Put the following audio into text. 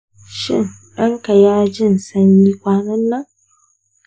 shin ɗanka ya jin sanyi kwanan nan?